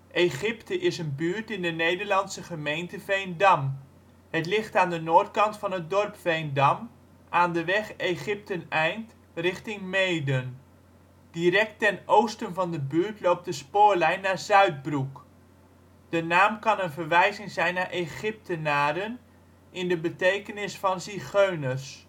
Egypte is een buurt in de Nederlandse gemeente Veendam. Het ligt aan de noordkant van het dorp Veendam, aan de weg Egypteneind, richting Meeden. Direct ten oosten van de buurt loopt de spoorlijn naar Zuidbroek. De naam kan een verwijzing zijn naar Egyptenaren, in de betekenis van zigeuners